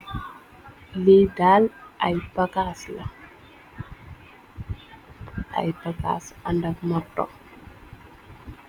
li dal ay bakaas la. Ay bakass andak marto.